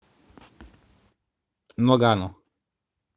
ноггано